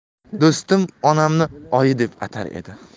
do'stim onamni oyi deb atar edi